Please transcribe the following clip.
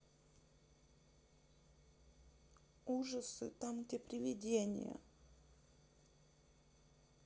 ужасы там где приведения